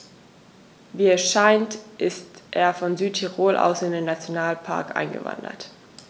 Wie es scheint, ist er von Südtirol aus in den Nationalpark eingewandert.